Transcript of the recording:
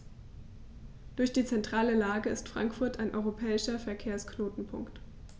Durch die zentrale Lage ist Frankfurt ein europäischer Verkehrsknotenpunkt.